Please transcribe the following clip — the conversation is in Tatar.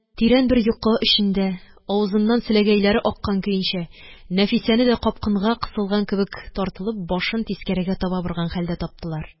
Тирән бер йокы эчендә, авызыннан селәгәйләре аккан көенчә, нәфисәне дә капканга кысылган кебек тартылып, башын тискәрегә таба борган хәлдә таптылар.